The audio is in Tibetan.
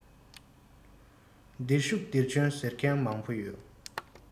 འདིར བཞུགས འདིར བྱོན ཟེར མཁན མང པོ ཡོང